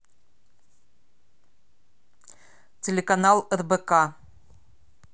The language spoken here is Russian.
телеканал рбк